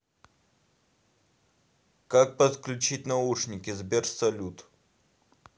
как подключить наушники сбер салют